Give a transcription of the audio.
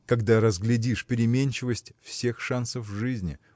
когда разглядишь переменчивость всех шансов в жизни